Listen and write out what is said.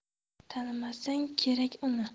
tanimasang kerak uni